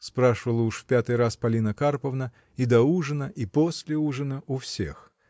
— спрашивала уж в пятый раз Полина Карповна, и до ужина, и после ужина, у всех.